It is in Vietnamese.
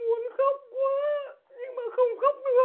muốn khóc quá nhưng mà không khóc được